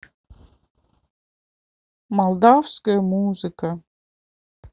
молдавская музыка